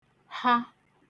-ha